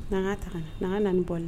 N'an ka ta kana n'an n ka na ni bole